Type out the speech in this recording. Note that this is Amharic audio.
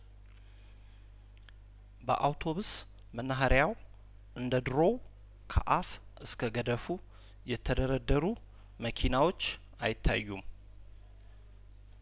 በአውቶብስ መናኸሪያው እንደድሮው ከአፍ እስከገደፉ የተደረደሩ መኪናዎች አይታዩም